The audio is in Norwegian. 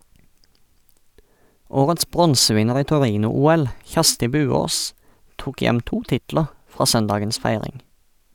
Årets bronsevinner i Torino-OL , Kjersti Buaas tok hjem to titler fra søndagens feiring.